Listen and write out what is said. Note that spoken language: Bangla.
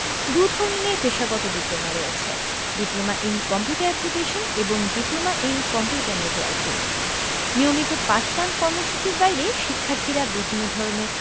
দুধরনের পেশাগত ডিপ্লোমা রয়েছে ডিপ্লোমা ইন কম্পিউটার অ্যাপ্লিকেশন এবং ডিপ্লোমা ইন কম্পিউটার নেটওয়ার্কিং নিয়মিত পাঠদান কর্মসূচির বাইরে শিক্ষার্থীরা বিভিন্ন ধরনের